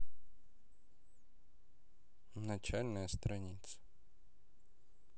начальная страница